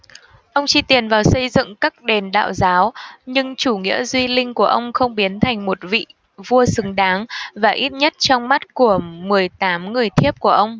ông chi tiền vào xây dựng các đền đạo giáo nhưng chủ nghĩa duy linh của ông không biến ông thành một vị vua xứng đáng và ít nhất trong mắt của mười tám người thiếp của ông